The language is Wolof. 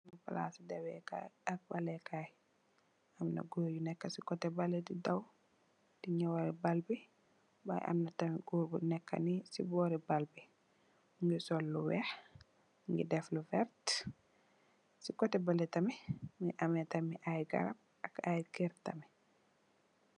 pala si bal e kaay ak dawe kaay, am na goor yu neek si kotte balli di daw,...waay am na tamit goor bu neeka si boori bal bi, mu ngi sol lu weex, def lu werta. Si kotte balle tamit, mu ngi amee tamit ay garab, ay ker tamit.